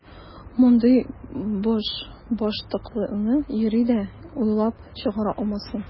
Мондый башбаштаклыкны юри дә уйлап чыгара алмассың!